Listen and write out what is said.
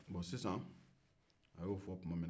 bɔn sisan a y'o fɔ tuma min na